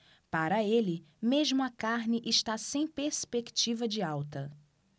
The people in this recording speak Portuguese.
para ele mesmo a carne está sem perspectiva de alta